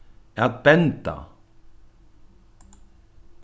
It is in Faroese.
at benda